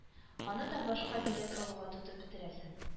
Аны да башка билет алуга тотып бетерәсең